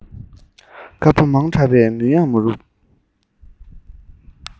དཀར པོ མང དྲགས པས མུན ཡང མ རུབ